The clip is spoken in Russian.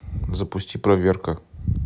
запусти проверка